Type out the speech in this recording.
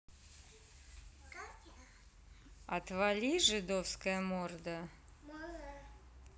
отвали жидовская морда